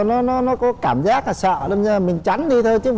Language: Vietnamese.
nó nó nó có cảm giác là sợ đâm ra là mình tránh đi thôi chứ